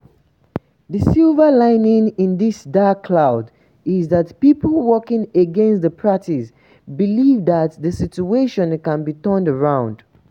A silver lining in this dark cloud is that people working against the practice believe that the situation can be turned around.